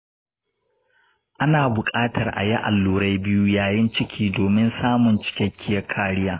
ana bukatar a yi allurai biyu yayin ciki domin samun cikakkiyar kariya.